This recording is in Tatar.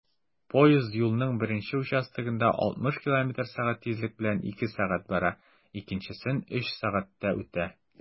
Поезд юлның беренче участогында 60 км/сәг тизлек белән 2 сәг. бара, икенчесен 3 сәгатьтә үтә.